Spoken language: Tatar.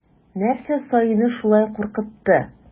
Нәрсә саине шулай куркытты?